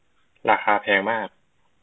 ราคาแพงมาก